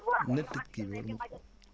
na tëj kii bi